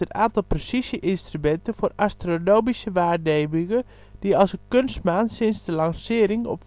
aantal precisie-instrumenten voor astronomische waarnemingen die als een kunstmaan sinds de lancering op